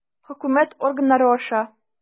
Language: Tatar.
Хөкүмәт органнары аша.